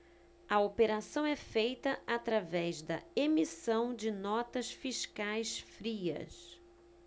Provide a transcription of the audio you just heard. a operação é feita através da emissão de notas fiscais frias